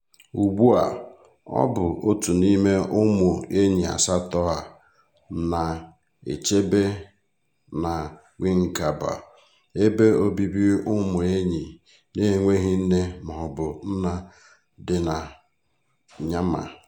Ugbua, ọ bụ otu n'ime ụmụ enyi asatọ a na-echebe na Wingabaw, ebe obibi ụmụ enyi n'enweghị nne mọọbụ nna dị na Myanmar.